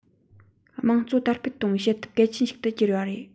དམངས གཙོ དར སྤེལ གཏོང བའི བྱེད ཐབས གལ ཆེན ཞིག ཏུ གྱུར པ རེད